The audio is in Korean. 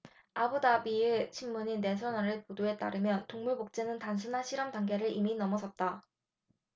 아부다비의 신문인 내셔널 의 보도에 따르면 동물 복제는 단순한 실험 단계를 이미 넘어섰다